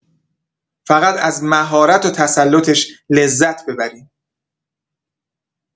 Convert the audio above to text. فقط از مهارت و تسلطش لذت ببرین